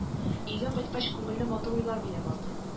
Өйгә кайткач күңелне матур уйлар биләп алды